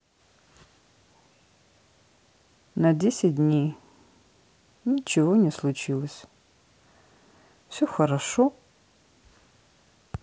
афина а ты красивая